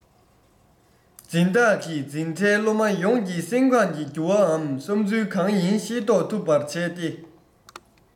འཛིན བདག གིས འཛིན གྲྭའི སློབ མ ཡོངས ཀྱི སེམས ཁམས ཀྱི འགྱུར བའམ བསམ ཚུལ གང ཡིན ཤེས རྟོགས ཐུབ པར བྱས ཏེ